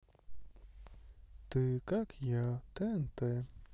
ты как я тнт